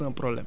ok